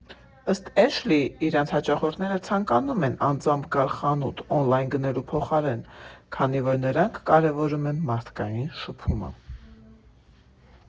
Ըստ Էշլիի՝ իրենց հաճախորդները ցանկանում են անձամբ գալ խանութ օնլայն գնելու փոխարեն, քանի որ նրանք կարևորում են մարդկային շփումը։